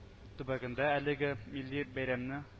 Төбәгендә әлеге милли бәйрәмне